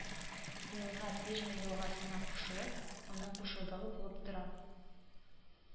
Елга Пижма елгасына кушылып, аның кушылдыгы булып тора